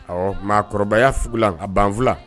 Ɔ mɔgɔkɔrɔbabaya sugula a banfula